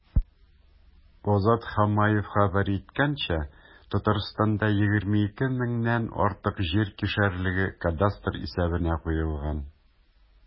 Азат Хамаев хәбәр иткәнчә, Татарстанда 22 меңнән артык җир кишәрлеге кадастр исәбенә куелган.